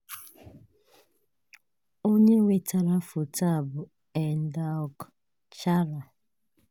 Onye wetara foto a bụ Endalk Chala.